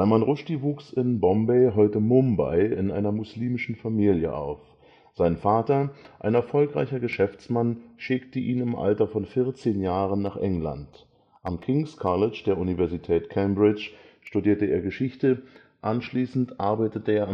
Rushdie wuchs in Bombay (heute Mumbai) in einer muslimischen Familie auf. Sein Vater, ein erfolgreicher Geschäftsmann, schickte ihn im Alter von 14 Jahren nach England. Am King’ s College der Universität Cambridge studierte er Geschichte, anschließend arbeitete